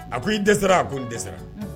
A ko i dɛsɛra a ko ni dɛsɛra!